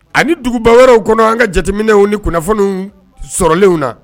Ani duguba wɛrɛraww kɔnɔ an ka jateminɛw ni kunnafoniw sɔrɔlenw na